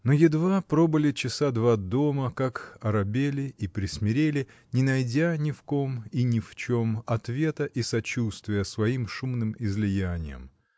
Но едва пробыли часа два дома, как оробели и присмирели, не найдя ни в ком и ни в чем ответа и сочувствия своим шумным излияниям.